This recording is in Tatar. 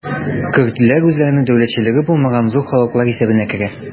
Көрдләр үзләренең дәүләтчелеге булмаган зур халыклар исәбенә керә.